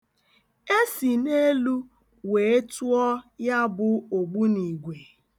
E si n'elu wee tụọ ya bụ ogbuniigwe.